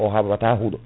o haɓata huuɗo